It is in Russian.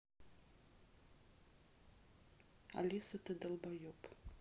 алиса ты долбоеб